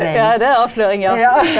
ja det er en avsløring ja.